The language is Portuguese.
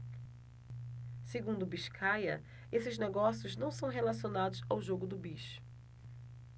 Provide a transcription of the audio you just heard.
segundo biscaia esses negócios não são relacionados ao jogo do bicho